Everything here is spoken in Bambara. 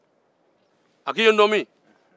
a ko i ye n dɔn min